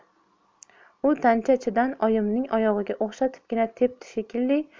u tancha ichidan oyimning oyog'iga o'xshatibgina tepdi shekilli